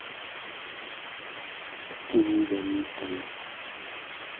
it yengganini talar